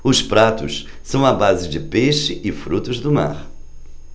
os pratos são à base de peixe e frutos do mar